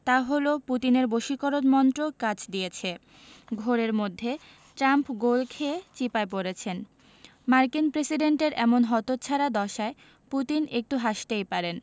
তা হলো পুতিনের বশীকরণ মন্ত্র কাজ দিয়েছে ঘোরের মধ্যে ট্রাম্প গোল খেয়ে চিপায় পড়েছেন মার্কিন প্রেসিডেন্টের এমন হতচ্ছাড়া দশায় পুতিন একটু হাসতেই পারেন